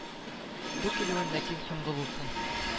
Бу килүең ләкин соңгы булсын